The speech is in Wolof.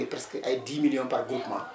parce que ay 10 millions par groupement